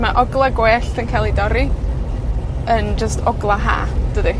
Ma' ogla' gwellt yn ca'l 'i dorri, yn jyst ogla' Ha, dydi?